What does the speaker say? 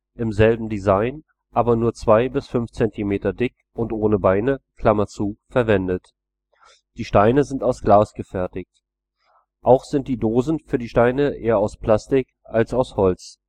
im selben Design, aber nur 2 cm bis 5 cm dick und ohne Beine) verwendet. Die Steine sind aus Glas gefertigt. Auch sind die Dosen für die Steine eher aus Plastik als aus Holz